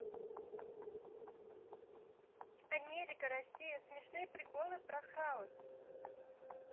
америка россия смешные приколы про house